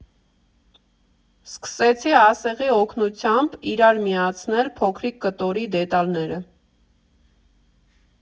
Սկսեցի ասեղի օգնությամբ իրար միացնել փոքրիկ կտորի դետալները։